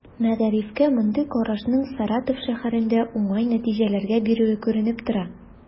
Мәгарифкә мондый карашның Саратов шәһәрендә уңай нәтиҗәләр бирүе күренеп тора.